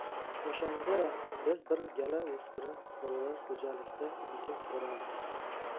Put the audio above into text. o'shanda biz bir gala o'spirin bolalar xo'jalikda ekin sug'orardik